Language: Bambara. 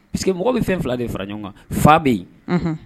Puis que mɔgɔw bɛ fɛn fila de fara ɲɔgɔn kan; fa bɛ yen, unhun